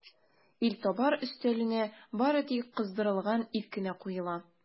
Илтабар өстәленә бары тик кыздырылган ит кенә куела.